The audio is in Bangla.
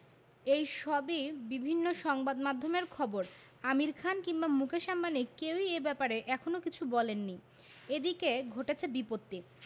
এই সবই বিভিন্ন সংবাদমাধ্যমের খবর আমির খান কিংবা মুকেশ আম্বানি কেউই এ ব্যাপারে এখনো কিছু বলেননি এদিকে ঘটেছে বিপত্তি